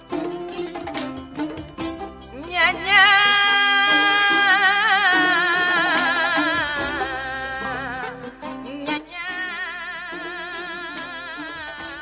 San